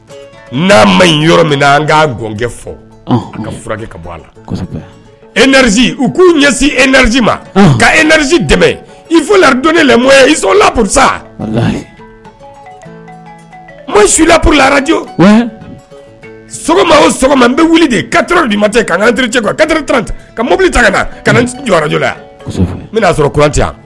N'a ma yɔrɔ min an ka ka bɔ a la ez u k'u ɲɛ ez ma eriz dɛmɛ i ladon nemuya lapuru sa ma su lauru alarajma o sɔgɔma n bɛ wuli de ka di ma cɛ ka ka teri ka mobili ta ka kaj na sɔrɔtɛ